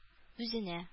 Үзенә